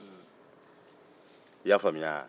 i y'a faamuya wa